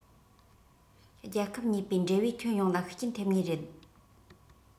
རྒྱལ ཁབ གཉིས པོའི འབྲེལ བའི ཁྱོན ཡོངས ལ ཤུགས རྐྱེན ཐེབས ངེས རེད